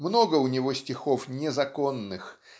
много у него стихов незаконных